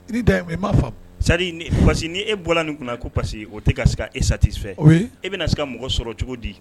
I pa ni e bɔra nin kunna a ko parce o tɛ ka e sati fɛ e bɛ na se ka mɔgɔ sɔrɔ cogo di